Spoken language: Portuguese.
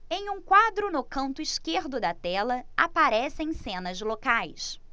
em um quadro no canto esquerdo da tela aparecem cenas locais